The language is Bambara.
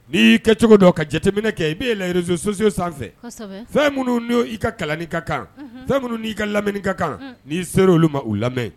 N'i kɛ cogo dɔn ka jateminɛ kɛ i bɛ yɛlɛn réseaux sociaux sanfɛ fɛn minnu n'i ka kalani ka kan fɛn minnu n'i ka lamɛni ka kan ni sera olu ma u lamɛn